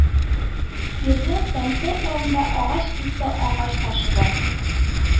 Ирләр тәмте урманында агач кисте, агач ташыды